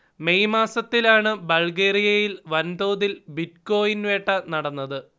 May മാസത്തിലാണ് ബൾഗേറിയയിൽ വൻതോതിൽ ബിറ്റ്കോയിൻ വേട്ട നടന്നത്